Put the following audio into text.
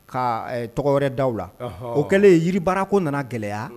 Ka tɔgɔ wɛrɛ da u la, anhan, o kɛlen jiribaarako nana gɛlɛya